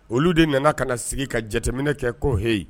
Olu de nana ka na sigi ka jateminɛ kɛ ko he